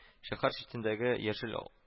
Шәһәр читендәге яшел